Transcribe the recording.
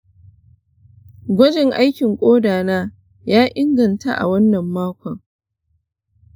gwajin aikin koda na ya inganta a wannan makon.